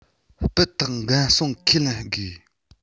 སྤུས དག འགན སྲུང ཁས ལེན དགོས